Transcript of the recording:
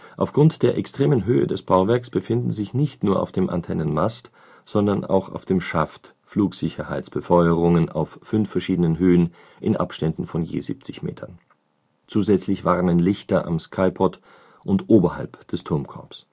Auf Grund der extremen Höhe des Bauwerks befinden sich nicht nur auf dem Antennenmast, sondern auch auf dem Schaft Flugsicherheitsbefeuerungen auf fünf verschiedenen Höhen in Abständen von je 70 Metern. Zusätzlich warnen Lichter am Sky Pod und oberhalb des Turmkorbs